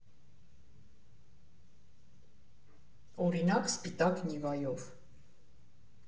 Օրինակ՝ սպիտակ «նիվայով»